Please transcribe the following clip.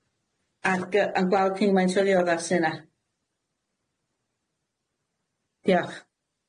ac y- yn gweld cyn gymaint o ddiodda sy 'na. Diolch.